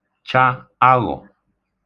cha aghọ